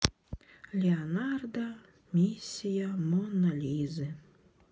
леонардо миссия мона лизы